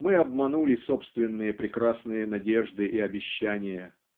Мы обманули собственные прекрасные надежды и обещания